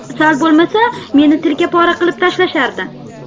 sal bo'lmasa meni tilkapora qilib tashlashardi